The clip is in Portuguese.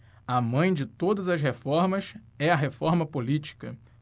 a mãe de todas as reformas é a reforma política